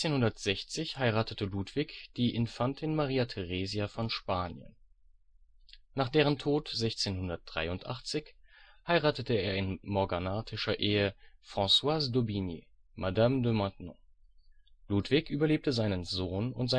1660 heiratete Ludwig die Infantin Maria Theresia von Spanien. Nach deren Tod 1683 heiratete er in morganatischer Ehe Françoise d'Aubigné, Madame de Maintenon. Ludwig überlebte seinen Sohn und